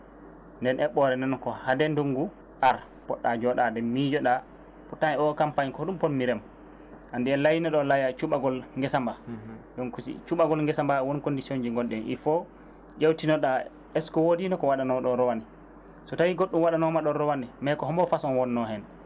nden eɓɓore noon ko haade ndugngu aar' poɗɗa joɗade miijoɗa pourtant e o campagne ko ɗum ponmi reem anndi en layino ɗo laaya cuɓagol geesa ba donc si cuɓagol geesa ba woon condition ji gonɗin heen il faut ƴewtino ɗa est ce que wodino ko waɗano ɗo rowane so tawi goɗɗum waɗanoma ɗon rawane mais ko hombo façon wonno heen